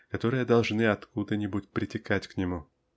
которые должны откуда-нибудь притекать к нему.